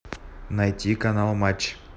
найти канал матч